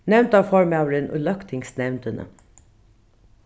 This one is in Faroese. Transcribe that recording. nevndarformaðurin í løgtingsnevndini